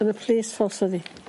Yn y police force o'dd 'i.